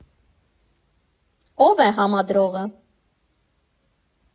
Ո՞վ է համադրողը։